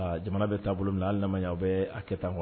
Jamana bɛ taabolo bolo minna hali lamɛn aw bɛ a kɛ tan kuwa